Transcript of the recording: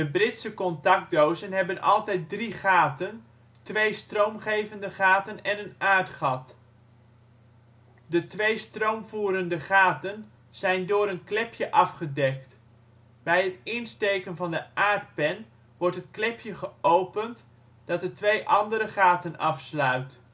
Britse contactdozen hebben altijd drie gaten, twee stroomgevende gaten en een aardgat. De twee stroomvoerende gaten zijn door een klepje afgedekt. Bij het insteken van de aardpen wordt het klepje geopend dat de twee andere gaten afsluit